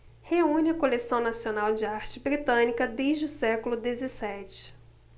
reúne a coleção nacional de arte britânica desde o século dezessete